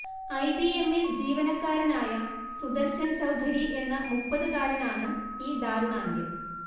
I B M ൽ ജീവനക്കാരനായ സുദർശൻ ചൗധരി എന്ന മുപ്പതുകാരനാണ് ഈ ദാരുണാന്ത്യം